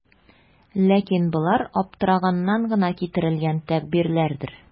Ләкин болар аптыраганнан гына китерелгән тәгъбирләрдер.